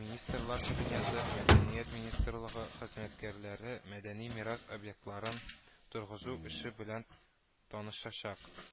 Министрлар Кабинеты, Мәдәният министрлыгы хезмәткәрләре мәдәни мирас объектларын торгызу эше белән танышачак